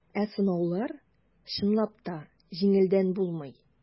Ә сынаулар, чынлап та, җиңелдән булмый.